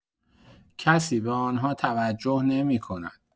کسی به آن‌ها توجه نمی‌کند.